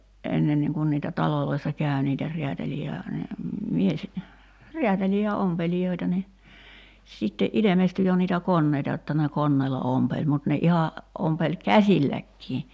ennenkin kun niitä taloissa kävi niitä räätäleitä ja - miesräätäleitä ja ompelijoita niin sitten ilmestyi jo niitä koneita jotta ne koneella ompeli mutta ne ihan ompeli käsilläkin